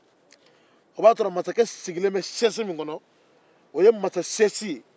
o b'a sɔrɔ masakɛ sigilen bɛ masasɛsi kɔnɔ